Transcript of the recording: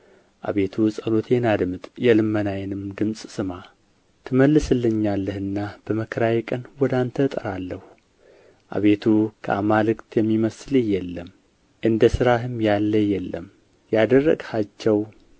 አቤቱ ጸሎቴን አድምጥ የልመናዬንም ድምፅ ስማ ትመልስልኛለህና በመከራዬ ቀን ወደ አንተ እጠራለሁ አቤቱ ከአማልክት የሚመስልህ የለም እንደ ሥራህም ያለ የለም ያደረግሃቸው